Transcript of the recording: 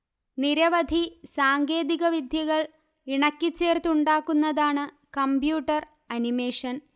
നിരവധി സാങ്കേധിക വിദ്യകൾ ഇണക്കിച്ചേർത്തുണ്ടാക്കുന്നതാണ് കമ്പ്യൂട്ടർ അനിമേഷൻ